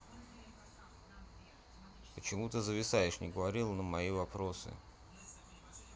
почему ты зависаешь не говорила на мои вопросы